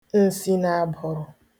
nsìnàbụ̀rụ̀